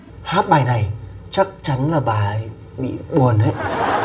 hát bài này chắc chắn là bà ý bị buồn ấy